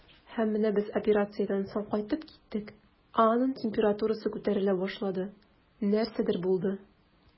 Һәм менә без операциядән соң кайтып киттек, ә аның температурасы күтәрелә башлады, нәрсәдер булды.